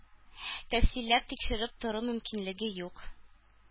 Тәфсилләп тикшереп тору мөмкинлеге юк